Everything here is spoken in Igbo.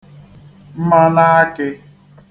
mmanāākị̄